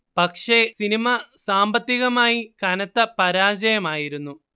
പക്ഷേ സിനിമ സാമ്പത്തികമായി കനത്ത പരാജയമായിരുന്നു